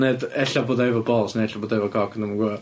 Ne' dy- ella bod e efo balls neu ella bod e efo coc, dwi'm yn gwbo.